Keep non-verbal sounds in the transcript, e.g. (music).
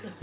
(hesitation)